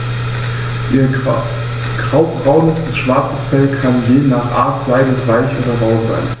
Ihr graubraunes bis schwarzes Fell kann je nach Art seidig-weich oder rau sein.